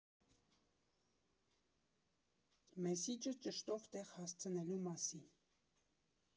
Մեսիջը ճշտով տեղ հասցնելու մասին։